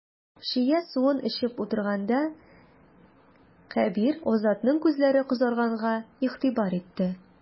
Чия суын эчеп утырганда, Кәбир Азатның күзләре кызарганга игътибар итте.